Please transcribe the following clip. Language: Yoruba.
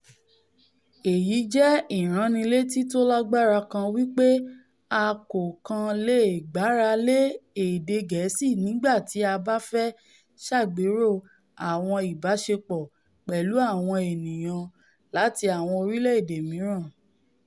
Èyí jẹ́ ìránnilétí tólágbára kan wí pé a kò kàn leè gbáralé èdé Gẹ́ẹ̀si nígbà tí a báfẹ ṣàgbéró àwọn ìbáṣepọ̀ pẹ̀lú àwọn ènìyàn latí àwọn orílẹ̀-èdè mìíràn.